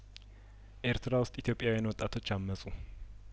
ኤርትራ ውስጥ ኢትዮጵያውያን ወጣቶች አመጹ